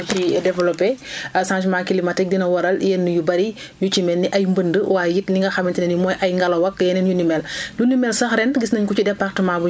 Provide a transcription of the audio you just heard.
ndax su ma déggee li nga xamante ne nii jot nga ko ci développé changement climatique dina waral yenn yu bari yu ci mel ni ay mbënd waaye it li nga xamante ne mooy ay ngalaw ak yeneen yu ni mel